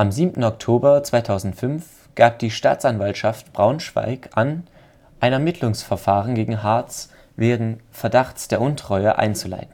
7. Oktober 2005 gab die Staatsanwaltschaft Braunschweig an, ein Ermittlungsverfahren gegen Hartz wegen Verdachts der Untreue einzuleiten